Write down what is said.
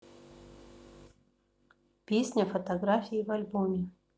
песня фотографии в альбоме